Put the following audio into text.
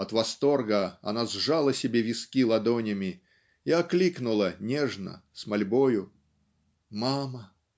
от восторга она сжала себе виски ладонями и окликнула нежно с мольбою мама!